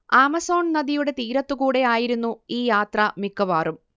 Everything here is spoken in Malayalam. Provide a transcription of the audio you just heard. ആമസോൺ നദിയുടെ തീരത്തുകൂടെ ആയിരുന്നു ഈ യാത്ര മിക്കവാറും